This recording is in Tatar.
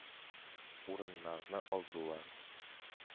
Урыннарны алдылар.